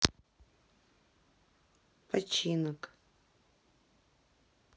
починок